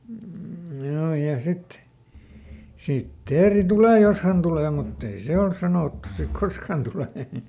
mm joo ja sitten sitten teeri tulee jos hän tulee mutta ei se olisi sanottu siksi koska hän tulee